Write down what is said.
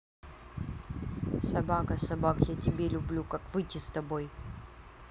собака собак я тебе люблю как выйти с тобой